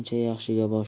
yaxshiga bosh ber